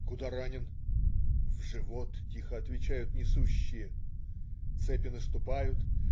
"Куда ранен?" - "В живот",- тихо отвечают несущие. Цепи наступают.